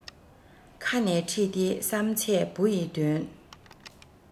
ཁ ནས ཕྲིས ཏེ བསགས ཚད བུ ཡི དོན